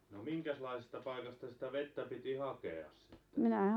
no minkäslaisesta paikasta sitä vettä piti hakea sitten